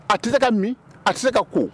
A te se ka min a te se ka ko